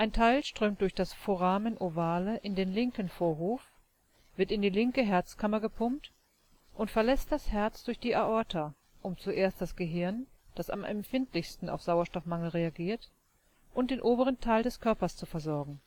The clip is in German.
Teil strömt durch das Foramen ovale in den linken Vorhof, wird in die linke Herzkammer gepumpt und verlässt das Herz durch die Aorta, um zuerst das Gehirn, das am empfindlichsten auf Sauerstoffmangel reagiert, und den oberen Teil des Körpers zu versorgen